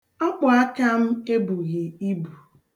Akpụaka m ebughi ibu.